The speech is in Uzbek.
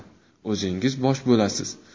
o'zingiz bosh bo'lasiz